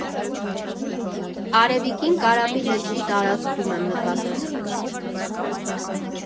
Արևիկին Կարապի լճի տարածքում եմ նկատել։